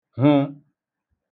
hụ